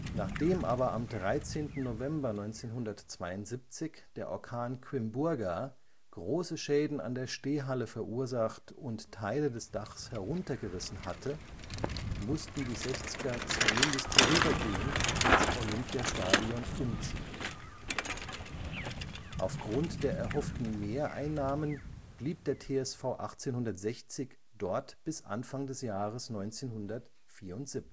Nachdem aber am 13. November 1972 der Orkan Quimburga große Schäden an der Stehhalle verursacht und Teile des Dachs heruntergerissen hatte, mussten die Sechzger zumindest vorübergehend ins Olympiastadion umziehen. Aufgrund der erhofften Mehreinnahmen blieb der TSV 1860 dort bis Anfang des Jahres 1974